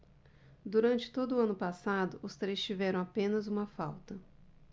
durante todo o ano passado os três tiveram apenas uma falta